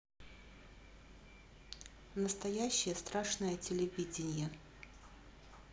настоящее страшное телевидение